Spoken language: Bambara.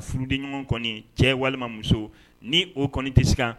Furuden ɲuman kɔni cɛ walima muso ni o kɔni tɛ se kan